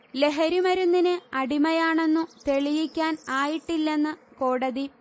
ലഹരി മരുന്നിന് അടിമയാണെന്നു തെളിയിക്കാൻആയിട്ടില്ലെന്നു കോടതി